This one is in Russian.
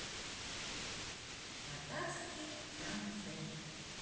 татарский концерт